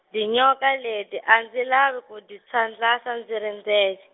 dyinyoka ledyiya a ndzi lava ku dyi phyandlasa ndzi ri ndzexe.